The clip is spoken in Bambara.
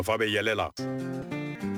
A fa bɛ yɛlɛla